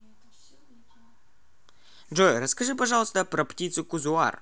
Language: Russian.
джой расскажи пожалуйста про птицу казуар